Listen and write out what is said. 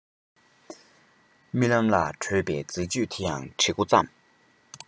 རྨི ལམ ལ བྲོད པའི མཛེས དཔྱོད དེ ཡང བྲི འགོ བརྩམས